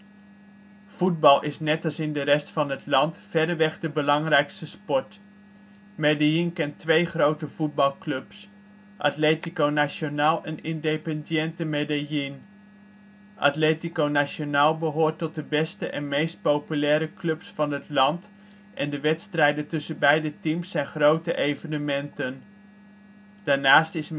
Voetbal is net als in de rest van het land verreweg de belagrijkste sport. Medellín kent twee grote voetbalclubs, Atlético Nacional en Independiente Medellín. Atlético Nacional behoort tot de beste en meest populaire clubs van het land en de wedstrijden tussen beide teams zijn grote evenementen. Daarnaast is